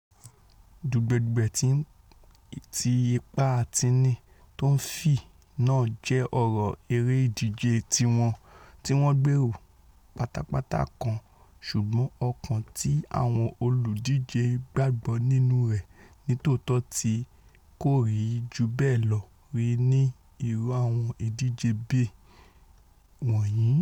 Dùgbẹ̀-dùgbẹ̀ ti ipá-atini tó ńfì náà jẹ ọ̀rọ̀ eré ìdíje tíwọ́n gbélẹ̀rọ pátápátá kan ṣùgbọ́n ọ̀kan tí àwọn olùdíje gbàgbọ́ nínú rẹ̀ nítòótọ̀, tí kòrí jù bẹ́ẹ̀ lọ rí ní irú àwọn ìdíje bíi ìwọ́nyí.